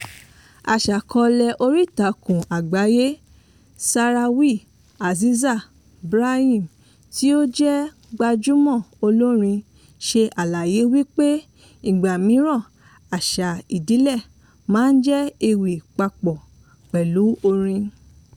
Aṣàkọọ́lẹ̀ oríìtakùn àgbáyé Sahrawi, Aziza Brahim, tí ó jẹ́ gbajúmọ̀ olórin, ṣe àlàyé wí pé ní ìgbà mìíràn àṣà ìdílé máa jẹ́ ewì papọ̀ pẹ̀lú orin.